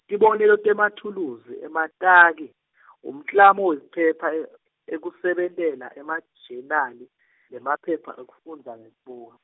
tibonelo temathuluzi emataki , umklamo -phepha ekusebentela emajenali, nemaphepha ekufundza ngekubuka.